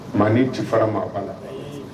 Maa ni ci fara ma a bana